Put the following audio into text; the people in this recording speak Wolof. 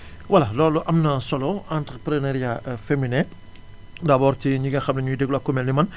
voilà loolu am na solo entreprenariat féminin d' abord ci ñi nga xam ne ñooy déglu ak ku mel ni man